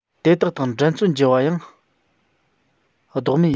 དེ དག དང འགྲན རྩོད བགྱི བ ཡང ལྡོག མེད ཡིན